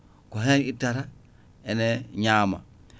ko hen ittata ene ñama